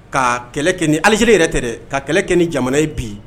Ka kɛlɛ kɛ ni alize yɛrɛ tɛ dɛ ka kɛlɛ kɛ ni jamana ye bi